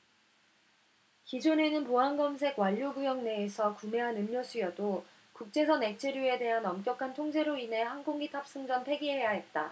기존에는 보안검색 완료구역 내에서 구매한 음료수여도 국제선 액체류에 대한 엄격한 통제로 인해 항공기 탑승 전 폐기해야 했다